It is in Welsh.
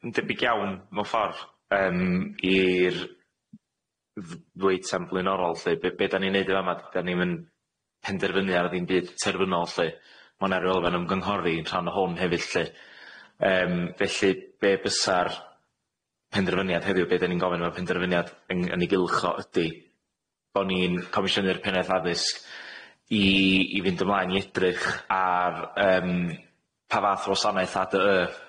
Yn debyg iawn mewn ffor yym i'r dd- ddwy eitam flaenorol lly be- be 'dan ni'n neud yn fa 'ma dan ni'm yn penderfynu ar ddim byd terfynol lly ma' 'na r'w elfen ymgynghori yn rhan o hwn hefyd lly yym felly be bysa'r penderfyniad heddiw be 'dan ni'n gofyn am y penderfyniad yn yn ei gylch o ydi bo' ni'n comishynu'r pennaeth addysg i i fynd ymlaen i edrych ar yym pa fath o wasanaeth a dy y